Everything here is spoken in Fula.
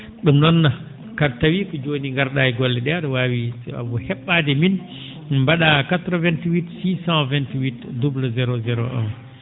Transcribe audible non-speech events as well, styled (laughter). ?um noon kadi tawii ko jooni ngar?aa e golle ?ee a?a waawi (hesitation) he??aade min mba?aa 88 628 00 01